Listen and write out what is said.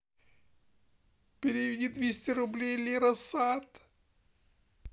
переведи двести рублей лера сад